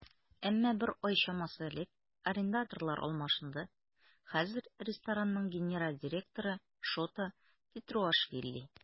Әмма бер ай чамасы элек арендаторлар алмашынды, хәзер ресторанның генераль директоры Шота Тетруашвили.